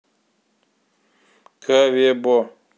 ка ве бо